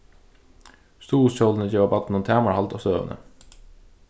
stuðulshjólini geva barninum tamarhald á støðuni